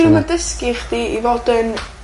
'Dio'm yn dysgu chdi i fod yn